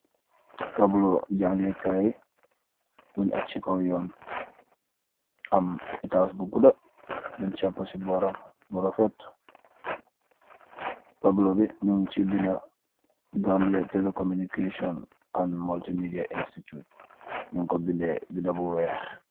Tablo jangeh kai bung agg si kaw yun am etass bu guda bung sampa si boram bu refet tablo bi nung si benda Gambia telecommunication and multimedia institute nyun ko bendex benda bu weex.